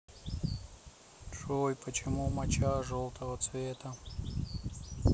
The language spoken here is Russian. джой почему моча желтого цвета